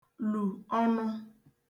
lù ọnụ